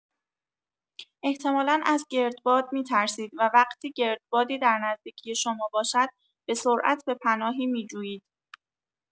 احتمالا از گردباد می‌ترسید و وقتی گردبادی در نزدیکی شما باشد، به‌سرعت به پناهی می‌جویید.